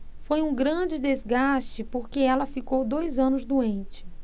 foi um grande desgaste porque ela ficou dois anos doente